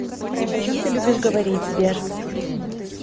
о чем ты любишь говорить сбер